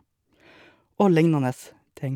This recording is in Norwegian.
Og lignende ting.